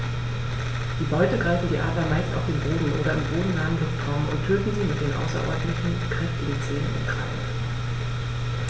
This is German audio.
Die Beute greifen die Adler meist auf dem Boden oder im bodennahen Luftraum und töten sie mit den außerordentlich kräftigen Zehen und Krallen.